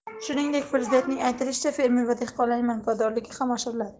shuningdek prezidentning aytishicha fermer va dehqonlar manfaatdorligi ham oshiriladi